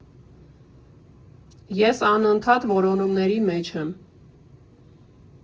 Ես անընդհատ որոնումների մեջ եմ։